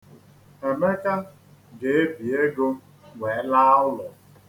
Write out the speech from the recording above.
Emeka ga-ebi ego wee laa ụlọ.